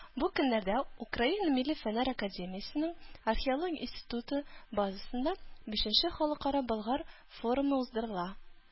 Бу көннәрдә Украина Милли фәннәр академиясенең Археология институты базасында бишенче Халыкара Болгар форумы уздырыла.